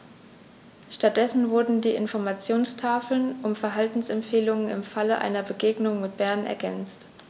Stattdessen wurden die Informationstafeln um Verhaltensempfehlungen im Falle einer Begegnung mit dem Bären ergänzt.